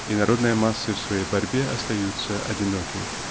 и народные массы в своей борьбе остаются одиноки